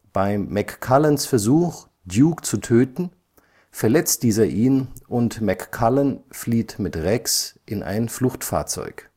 Bei McCullens Versuch, Duke zu töten, verletzt dieser ihn, und McCullen flieht mit Rex in ein Fluchtfahrzeug